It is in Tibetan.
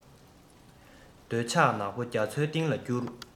འདོད ཆགས ནག པོ རྒྱ མཚོའི གཏིང ལ བསྐྱུར